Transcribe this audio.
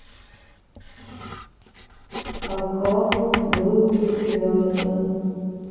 аккаунт был привязан